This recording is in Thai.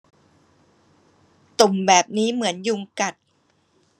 ตุ่มแบบนี้เหมือนยุงกัด